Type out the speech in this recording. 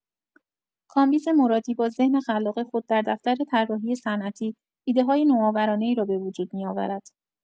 کامبیز مرادی با ذهن خلاق خود در دفتر طراحی صنعتی، ایده‌های نوآورانه‌ای را به‌وجود می‌آورد.